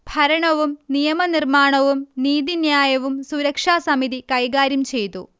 ഭരണവും നിയമനിർമ്മാണവും നീതിന്യായവും സുരക്ഷാസമിതി കൈകാര്യം ചെയ്തു